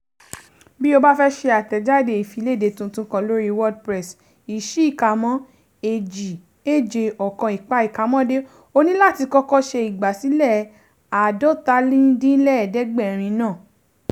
Bí o bá fẹ́ ṣe àtẹ̀jáde ìfiléde tuntun kan lórí WordPress (2.7.1), ó ní láti kọ́kọ́ ṣe ìgbàsílẹ̀ 750kb ná.